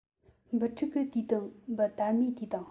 འབུ ཕྲུག གི དུས དང འབུ དར མའི དུས དང